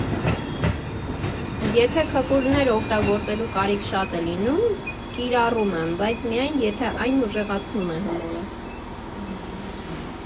Եթե քֆուրներ օգտագործելու կարիք շատ է լինում, կիրառում եմ, բայց միայն, եթե այն ուժեղացնում է հումորը։